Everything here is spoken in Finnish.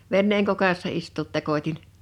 veneen kokassa istua tekotin